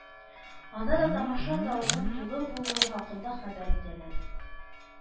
Анда да тамаша залының тулы булуы хакында хәбәр итәләр